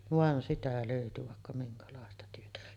vaan sitä löytyi vaikka minkälaista työtä